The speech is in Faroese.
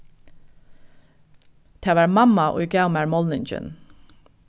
tað var mamma ið gav mær málningin